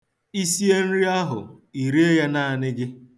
I sie nri ahụ, i rie ya naanị gị.